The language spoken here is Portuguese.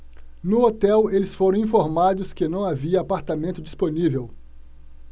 no hotel eles foram informados que não havia apartamento disponível